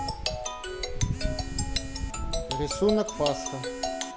рисунок пасха